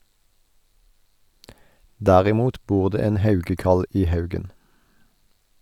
Derimot bor det en haugekall i haugen.